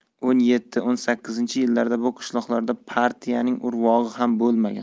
o'n yetti o'n sakkizinchi yillarda bu qishloqlarda partiyaning urvog'i ham bo'lmagan